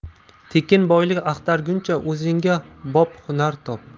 tekin boylik axtarguncha o'zingga bop hunar top